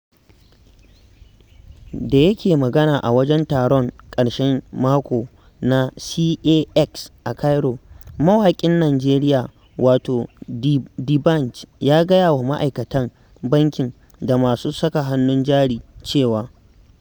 Da yake magana a wajen taron ƙarshen mako na CAX a Cairo, mawaƙin Nijeriya wato D'Banj ya gaya wa ma'aikatan banki da masu saka hannun jari cewa: